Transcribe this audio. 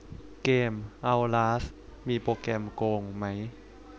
เกมเอ้าลาสมีโปรแกรมโกงไหม